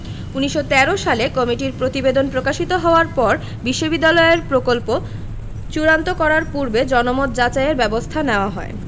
১৯১৩ সালে কমিটির প্রতিবেদন প্রকাশিত হওয়ার পর বিশ্ববিদ্যালয়ের প্রকল্প চূড়ান্ত করার পূর্বে জনমত যাচাইয়ের ব্যবস্থা নেওয়া হয়